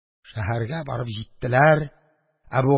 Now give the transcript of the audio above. Шәһәргә барып җиттеләр.